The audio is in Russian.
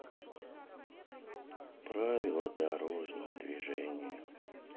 правила дорожного движения